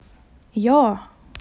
йо